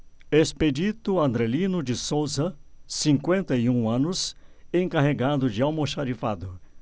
expedito andrelino de souza cinquenta e um anos encarregado de almoxarifado